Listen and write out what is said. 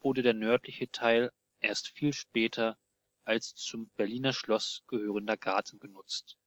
wurde der nördliche Teil erst viel später als zum Berliner Schloss gehörender Garten genutzt